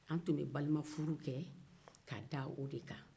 anw tun bɛ balimafuru kɛ ka da o de kan